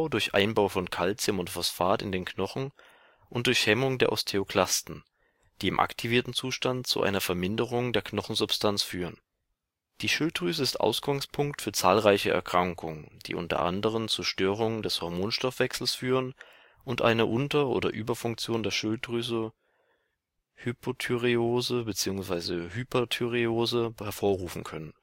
durch Einbau von Calcium und Phosphat in den Knochen und durch Hemmung der Osteoklasten, die im aktivierten Zustand zu einer Verminderung der Knochensubstanz führen. Die Schilddrüse ist Ausgangspunkt für zahlreiche Erkrankungen, die unter anderem zu Störungen des Hormonstoffwechsels führen und eine Unter - oder Überfunktion der Schilddrüse (Hypothyreose bzw. Hyperthyreose) hervorrufen können